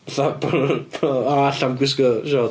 Ella bod nhw'n bod nhw'n "a allai'm gwisgo siorts".